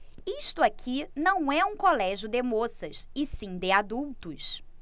isto aqui não é um colégio de moças e sim de adultos